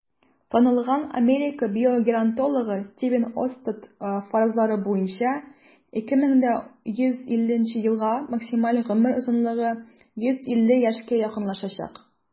Танылган Америка биогеронтологы Стивен Остад фаразлары буенча, 2150 елга максималь гомер озынлыгы 150 яшькә якынлашачак.